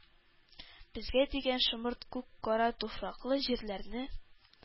Безгә дигән шомырт күк кара туфраклы җирләрне,